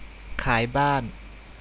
ขายบ้าน